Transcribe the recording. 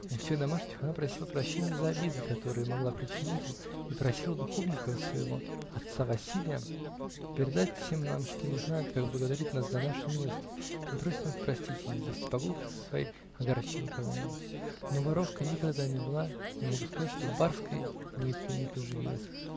У всех домашних она просила прощенья за обиды, которые могла причинить им, и просила духовника своего, отца Василья, передать всем нам, что не знает, как благодарить нас за наши милости, и просит нас простить ее, если по глупости своей огорчила кого-нибудь, "но воровкой никогда не была и могу сказать, что барской ниткой не поживилась".